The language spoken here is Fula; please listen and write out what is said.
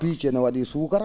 piice no wa?i suukara